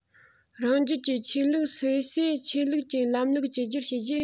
རང རྒྱལ གྱི ཆོས ལུགས སོ སོས ཆོས ལུགས ཀྱི ལམ ལུགས བཅོས སྒྱུར བྱས རྗེས